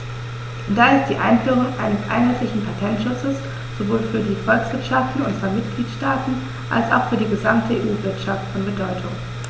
Daher ist die Einführung eines einheitlichen Patentschutzes sowohl für die Volkswirtschaften unserer Mitgliedstaaten als auch für die gesamte EU-Wirtschaft von Bedeutung.